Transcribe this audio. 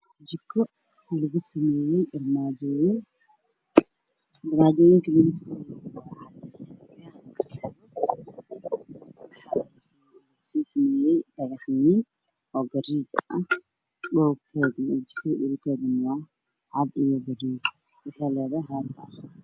Waxaa ii muuqday jikole yaqaanadooyin iyo meel faraha lagu dhaqdo waxa ayna leedahay kushiin lagu qariicno